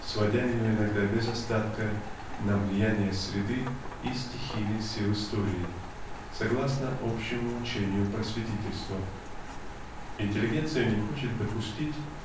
сводя ее иногда без остатка на влияния среды и стихийных сил истории (согласно общему учению просветительства). Интеллигенция не хочет допустить